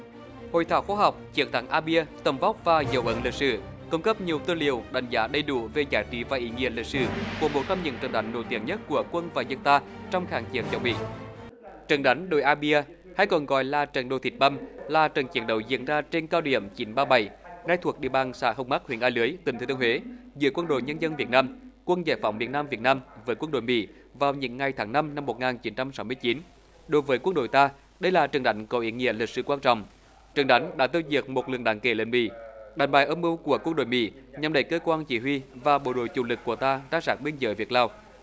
hội thảo khoa học chiến thắng a bia tầm vóc và dấu ấn lịch sử cung cấp nhiều tư liệu đánh giá đầy đủ về giá trị và ý nghĩa lịch sử của một trong những trận đánh nổi tiếng nhất của quân và dân ta trong kháng chiến chống mỹ trận đánh đồi a bia hay còn gọi là trận đồi thịt băm là trận chiến đấu diễn ra trên cao điểm chín ba bảy nay thuộc địa bàn xã hồng bắc huyện a lưới tỉnh thừa thiên huế giữa quân đội nhân dân việt nam quân giải phóng miền nam việt nam với quân đội mỹ vào những ngày tháng năm năm một ngàn chín trăm sáu mươi chín đối với quân đội ta đây là trận đánh có ý nghĩa lịch sử quan trọng trận đánh đã tiêu diệt một lượng đáng kể lính mỹ đánh bại âm mưu của quân đội mỹ nhằm để cơ quan chỉ huy và bộ đội chủ lực của ta ra sát biên giới việt lào